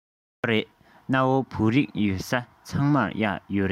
ཡོད རེད གནའ བོའི བོད རིགས ཡོད ས ཚང མར གཡག ཡོད རེད